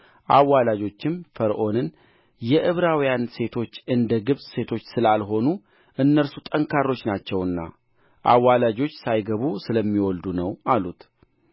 አዋላጆቹም ፈርዖንን የዕብራውያን ሴቶች እንደ ግብፅ ሴቶች ስላልሆኑ እነርሱ ጠንካሮች ናቸውና አዋላጆች ሳይገቡ ስለሚወልዱ ነው አሉት